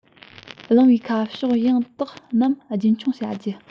གླེང བའི ཁ ཕྱོགས ཡང དག རྣམས རྒྱུན འཁྱོངས བྱ རྒྱུ